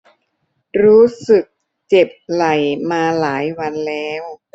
รู้สึกเจ็บไหล่มาหลายวันแล้ว